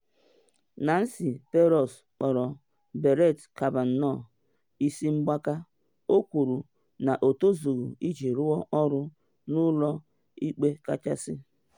Nancy Pelosi kpọrọ Brett Kavanaugh “isi mgbaka,” o kwuru na o tozughi iji rụọ ọrụ na Ụlọ Ikpe Kachasị